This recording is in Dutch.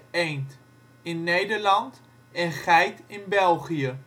eend) in Nederland en Geit in België